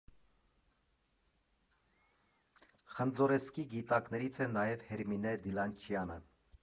Խնձորեսկի գիտակներից է նաև Հերմինե Դիլանչյանը։